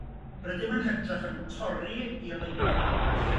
Rydym yn hytrach yn torri i olygfa arall